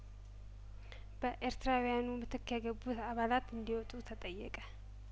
በኤርትራዊያኑምትክ የገቡት አባላት እንዲወጡ ተጠየቀ